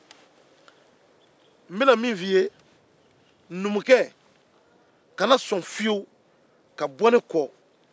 n bɛna min fɔ i ye numukɛ kana sɔn fiyewu ka bɔ ne kɔ